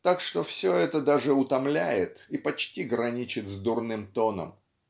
так что все это даже утомляет и почти граничит с дурным тоном.